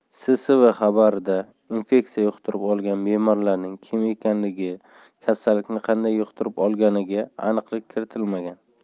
ssv xabarida infeksiya yuqtirib olgan bemorlarning kim ekanligi kasallikni qanday yuqtirib olganiga aniqlik kiritilmagan